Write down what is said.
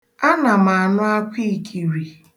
A na m anụ akwa ikiri